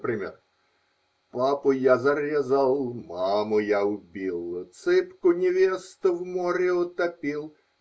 Например: Папу я зарезал, маму я убил, Ципку-невесту в море утопил.